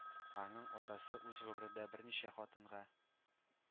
Аның атасы үз гомерендә берничә хатынга